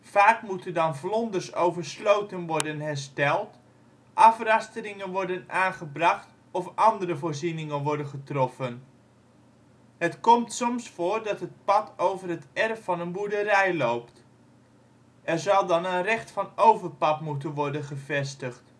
Vaak moeten dan vlonders over sloten worden hersteld, afrasteringen worden aangebracht of andere voorzieningen worden getroffen. Het komt soms voor dat het pad over het erf van een boerderij loopt. Er zal dan een recht van overpad moeten worden gevestigd